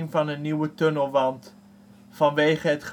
van een nieuwe tunnelwand. Vanwege het